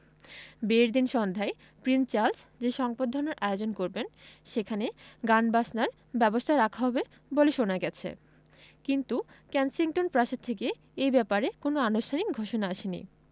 বিয়ের দিন সন্ধ্যায় প্রিন চার্লস যে সংবর্ধনার আয়োজন করবেন সেখানে গানবাজনার ব্যবস্থা রাখা হবে বলে শোনা গেছে কিন্তু কেনসিংটন প্রাসাদ থেকে এ ব্যাপারে কোনো আনুষ্ঠানিক ঘোষণা আসেনি